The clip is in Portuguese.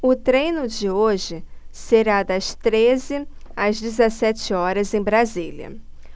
o treino de hoje será das treze às dezessete horas em brasília